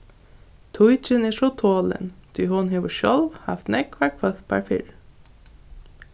tíkin er so tolin tí hon hevur sjálv havt nógvar hvølpar fyrr